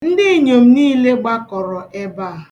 Ndị inyom niile gbakọrọ ebe a.